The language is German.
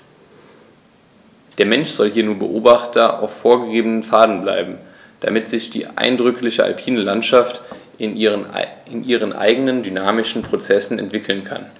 Der Mensch soll hier nur Beobachter auf vorgegebenen Pfaden bleiben, damit sich die eindrückliche alpine Landschaft in ihren eigenen dynamischen Prozessen entwickeln kann.